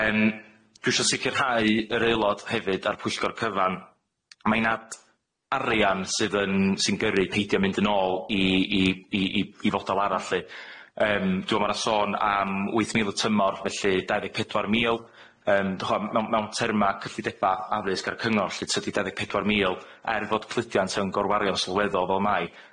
Yym dwi isio sicirhau yr Aelod hefyd a'r Pwyllgor cyfan mai nad arian sydd yn sy'n gyrru peidio mynd yn ôl i i i i i fodal arall lly, yym dwi me'wl ma' 'na sôn am wyth mil y tymor, felly dau ddeg pedwar mil yym d'ch'mo' mewn mewn terma cyllideba' addysg a'r cyngor lly tydi dau ddeg pedwar mil, er fod cludiant yn gorwario'n sylweddol fel ma'i,